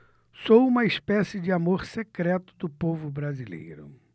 sou uma espécie de amor secreto do povo brasileiro